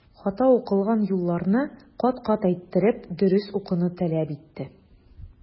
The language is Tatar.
Хата укылган юлларны кат-кат әйттереп, дөрес укуны таләп итте.